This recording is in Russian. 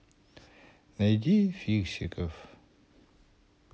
найди фиксиков